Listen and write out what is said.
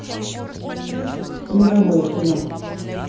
мировое кино